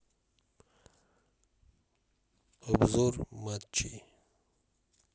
обзор матчей